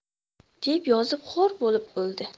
deb yozib xor bo'lib o'ldi